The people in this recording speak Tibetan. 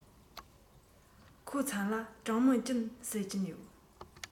ཁོའི མཚན ལ ཀྲང མིང ཅུན ཟེར གྱི ཡོད